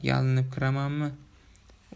yalinib kiramanmi